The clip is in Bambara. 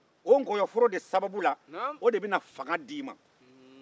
o nkɔyɔforo sababu la i bɛ fanga sɔrɔ